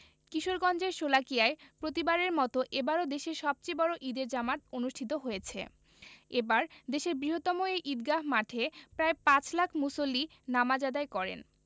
কিশোরগঞ্জের শোলাকিয়ায় প্রতিবারের মতো এবারও দেশের সবচেয়ে বড় ঈদের জামাত অনুষ্ঠিত হয়েছে এবার দেশের বৃহত্তম এই ঈদগাহ মাঠে প্রায় পাঁচ লাখ মুসল্লি নামাজ আদায় করেন